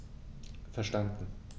Verstanden.